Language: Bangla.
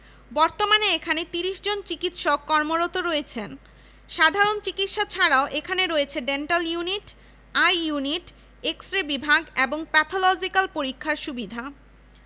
পাঠকক্ষ চারুকলা ও সঙ্গীতের কক্ষ এবং একটি মঞ্চ আরও রয়েছে সুইমিং পুল একটি মনোহারী দোকান বইয়ের দোকান ব্যাংক অন্যান্য সুবিধা ও চিত্তবিনোদনের মাধ্যম